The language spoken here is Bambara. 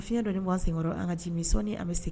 A fiɲɛ dɔɔni bɔ an sen kɔrɔ an ka ji mi . Sɔni an be segin.